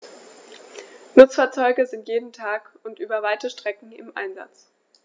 Nutzfahrzeuge sind jeden Tag und über weite Strecken im Einsatz.